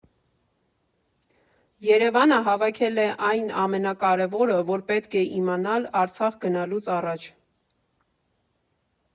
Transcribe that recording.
ԵՐԵՎԱՆը հավաքել է այն ամենակարևորը, որ պետք է իմանալ Արցախ գնալուց առաջ։